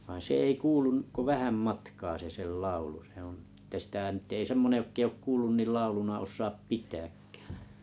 vaan se ei kuulu kuin vähän matkaa se sen laulu se on että sitä nyt ei semmoinen joka ei ole kuullut niin lauluna osaa pitääkään